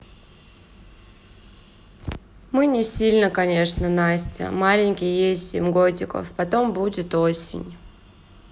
мы не сильно конечно настя маленький есть семь годиков потом будет осень